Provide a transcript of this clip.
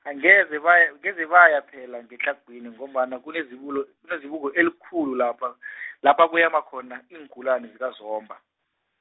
angeze bay- ngeze baya phela ngetlhagwini ngombana kunezibulo, kunezibuko elikhulu lapha , lapha kweyama khona iingulani zikaZomba.